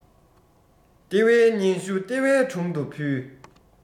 ལྟེ བའི སྙན ཞུ ལྟེ བའི དྲུང དུ ཕུལ